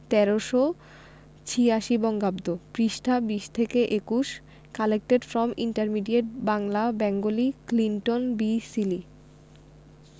১৩৮৬ বঙ্গাব্দ পৃষ্ঠাঃ ২০ ২১ collected from intermediate Bangla Bengali Clinton B Seely